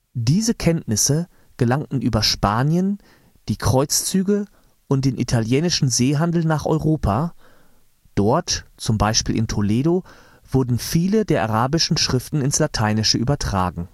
Diese Kenntnisse gelangten über Spanien, die Kreuzzüge und den italienischen Seehandel nach Europa, dort (z. B. in Toledo →„ Übersetzerschule von Toledo “) wurden viele der arabischen Schriften ins Lateinische übertragen